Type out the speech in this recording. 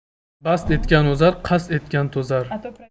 bast etgan o'zar qasd etgan to'zar